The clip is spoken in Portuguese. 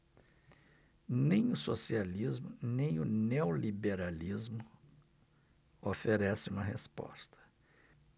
nem o socialismo nem o neoliberalismo oferecem uma resposta